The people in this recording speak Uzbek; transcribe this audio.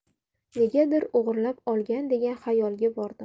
negadir o'g'irlab olgan degan xayolga bordim